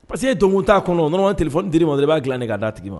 Parce que e donkun t'a kɔnɔ wo, telephone dila k'a d'a tigi ma